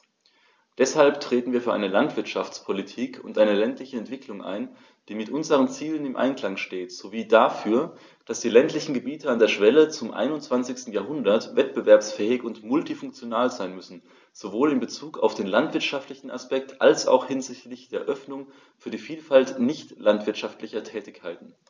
Deshalb treten wir für eine Landwirtschaftspolitik und eine ländliche Entwicklung ein, die mit unseren Zielen im Einklang steht, sowie dafür, dass die ländlichen Gebiete an der Schwelle zum 21. Jahrhundert wettbewerbsfähig und multifunktional sein müssen, sowohl in bezug auf den landwirtschaftlichen Aspekt als auch hinsichtlich der Öffnung für die Vielfalt nicht landwirtschaftlicher Tätigkeiten.